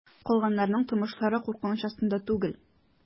Калганнарның тормышлары куркыныч астында түгел.